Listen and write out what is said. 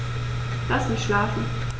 Lass mich schlafen